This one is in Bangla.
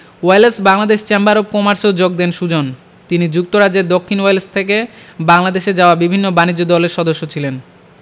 ওয়েলেস বাংলাদেশ চেম্বার অব কমার্সেও যোগ দেন সুজন তিনি যুক্তরাজ্যের দক্ষিণ ওয়েলেস থেকে বাংলাদেশে যাওয়া বিভিন্ন বাণিজ্য দলের সদস্য ছিলেন